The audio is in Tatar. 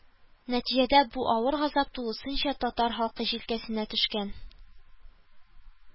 Нәтиҗәдә бу авыр газап тулысынча татар халкы җилкәсенә төшкән